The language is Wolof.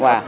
waaw